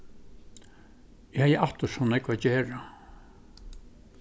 eg hevði aftur so nógv at gera